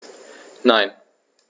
Nein.